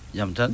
jam tan